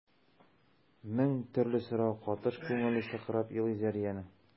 Мең төрле сорау катыш күңеле сыкрап елый Зәриянең.